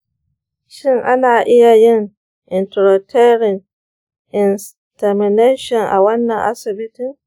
shin ana yin intrauterine insemination a wannan asibitin?